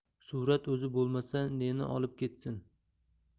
surat o'zi bo'lmasa neni olib ketsin